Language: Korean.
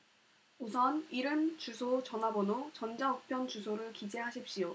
우선 이름 주소 전화번호 전자 우편 주소를 기재하십시오